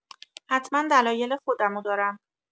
حتما دلایل خودمو دارم!